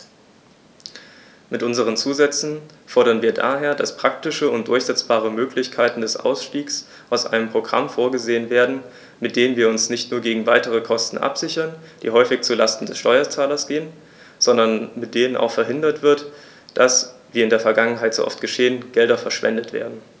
Mit unseren Zusätzen fordern wir daher, dass praktische und durchsetzbare Möglichkeiten des Ausstiegs aus einem Programm vorgesehen werden, mit denen wir uns nicht nur gegen weitere Kosten absichern, die häufig zu Lasten des Steuerzahlers gehen, sondern mit denen auch verhindert wird, dass, wie in der Vergangenheit so oft geschehen, Gelder verschwendet werden.